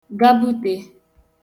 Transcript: gabute